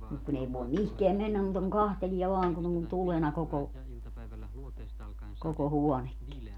mutta kun ei voi mihinkään mennä muuta kuin katselee vain kun on tulena koko koko huonekin